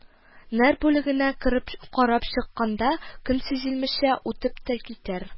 Нәр бүлегенә кереп карап чыкканда, көн сизелмичә үтеп тә китәр